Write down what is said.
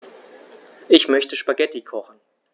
Ich möchte Spaghetti kochen.